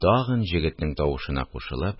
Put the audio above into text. Тагын җегетнең тавышына кушылып